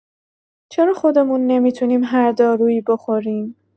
چرا خودمون نمی‌تونیم هر دارویی بخوریم؟